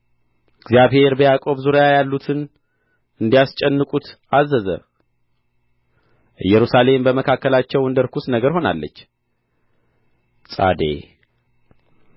እግዚአብሔር በያዕቆብ ዙሪያ ያሉትን እንዲያስጨንቁት አዘዘ ኢየሩሳሌም በመካከላቸው እንደ ርኩስ ነገር ሆናለች ጻዴ